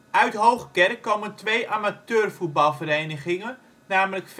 Uit Hoogkerk komen 2 amateurvoetbalverenigingen, namelijk